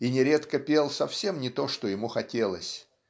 и нередко пел совсем не то что ему хотелось